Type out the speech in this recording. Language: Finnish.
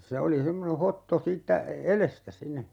se oli semmoinen hotto siitä edestä sinne